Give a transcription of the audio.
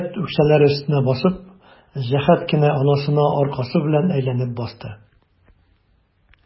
Хәят, үкчәләре өстенә басып, җәһәт кенә анасына аркасы белән әйләнеп басты.